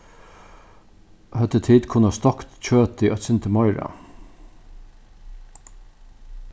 høvdu tit kunnað stokt kjøtið eitt sindur meira